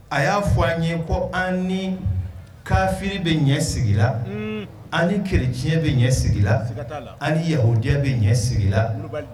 A ya fɔ an ye ko an ni kafiri bɛ ɲɛ sigila an ni keretiɲɛ bi ɲɛ sigila an ni yahudiya bi ɲɛ sigil a.